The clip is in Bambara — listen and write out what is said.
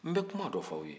n bɛ kuma dɔ f'aw ye